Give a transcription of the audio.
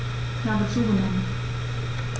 Ich habe zugenommen.